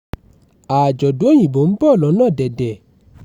1. Àjọ̀dún Òyìnbó ń bọ̀ lọ́nà dẹ̀dẹ̀.